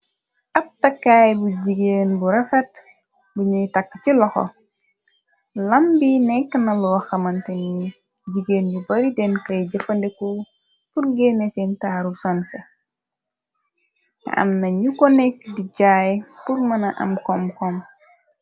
Ab takaay bu jigeen bu refet buñuy tàkk ci loxo lam bi nekk na lo xamante ni jigéen yu bari den kay jëfande ku purgéene seen taaru sanse te am na ñu ko nekk di jaay pur mëna am kom kom.